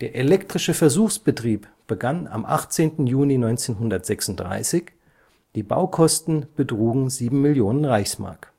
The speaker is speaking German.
elektrische Versuchsbetrieb begann am 18. Juni 1936, die Baukosten betrugen 7 Millionen Reichsmark